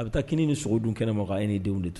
A bɛ taa kini ni sogo dun kɛnɛ ma k' e ye ni denw de tun